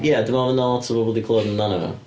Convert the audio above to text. Ia dwi'n meddwl fydd 'na lot o pobl wedi clywed amdanyn nhw.